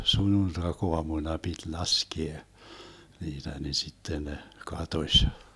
sunnuntaiaamuna piti laskea niitä niin sitten ne katosi